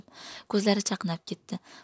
ko'zlari chaqnab ketdi